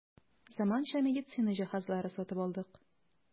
Заманча медицина җиһазлары сатып алдык.